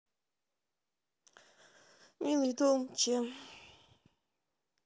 милый дом че